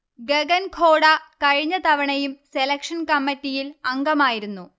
ഗഗൻ ഖോഡ കഴിഞ്ഞ തവണയും സെലക്ഷൻ കമ്മിറ്റിയിൽ അംഗമായിരുന്നു